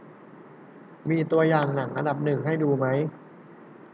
มีตัวอย่างหนังอันดับหนึ่งให้ดูไหม